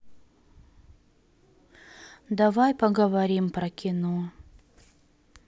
давай поговорим про кино